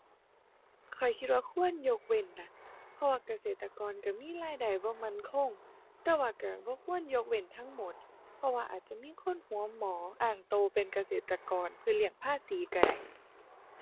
ข้อยคิดว่าควรยกเว้นนะ เพราะว่าเกษตรกรก็มีรายได้บ่มั่นคง แต่ว่าก็บ่ควรยกเว้นทั้งหมด เพราะว่าอาจจะมีคนหัวหมออ้างก็เป็นเกษตรกรเพื่อเลี่ยงภาษีก็ได้